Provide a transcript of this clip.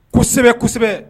Kosɛbɛ kosɛbɛ